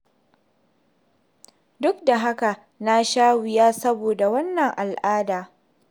Duk da haka, na sha wuya saboda wannan al'ada.